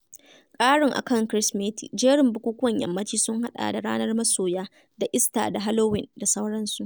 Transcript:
ƙari a kan Kirsimeti, jerin bukukuwan Yammacin sun haɗa da ranar Masoya da Ista da Halowin, da sauransu.